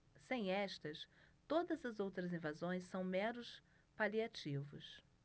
sem estas todas as outras invasões são meros paliativos